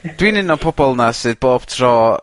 ...dwi'n un o'r pobol 'na sydd bob tro